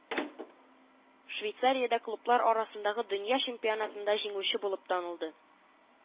Швейцариядә клублар арасындагы дөнья чемпионатында җиңүче булып танылды